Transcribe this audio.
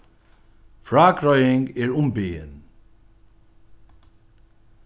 frágreiðing er umbiðin